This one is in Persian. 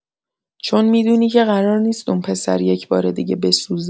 چون می‌دونی که قرار نیست اون پسر یک‌بار دیگه بسوزه.